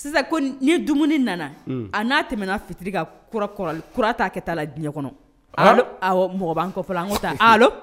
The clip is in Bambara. Sisan ko ni dumuni nana a n'a tɛm fitiri ka kɔrɔ kura'a ka taa la diɲɛ kɔnɔ mɔgɔ b'an an ko taa